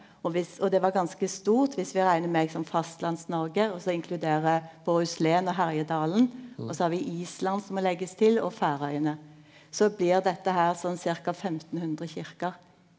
og viss og det var ganske stort viss vi regner med liksom fastlands-Noreg også inkluderer Bohuslen og Herjedalen og så har vi Island som må leggast til og Ferøyene så blir dette her sånn ca. 1500 kyrkjer.